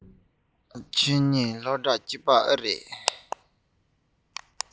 ཁྱེད རང གཉིས སློབ གྲ གཅིག རེད པས